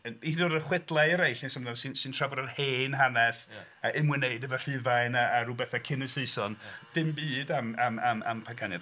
Yn un o'r chwedlau eraill sy'n... sy'n trafod yr hen hanes, yn ymwneud efo Rhufain a rhyw bethau cyn y Saeson, dim byd am... am... am Paganiaid.